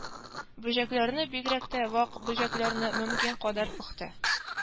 Бөҗәкләрне, бигрәк тә вак бөҗәкләрне, мөмкин кадәр пөхтә